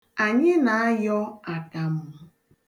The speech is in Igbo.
Anyị na-ayọ akamụ.